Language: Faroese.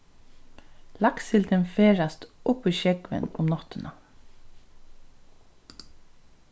lakssildin ferðast upp í sjógvin um náttina